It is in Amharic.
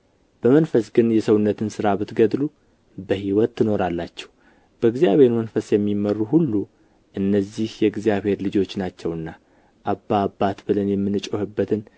በመንፈስ ግን የሰውነትን ሥራ ብትገድሉ በሕይወት ትኖራላችሁ በእግዚአብሔር መንፈስ የሚመሩ ሁሉ እነዚህ የእግዚአብሔር ልጆች ናቸውና አባ አባት ብለን የምንጮኽበትን